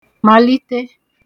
màlite